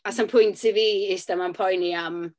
A 'sna'm pwynt i fi eistedd yma'n poeni am...